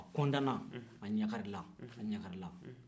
a kontana a ɲagarila a ɲagarila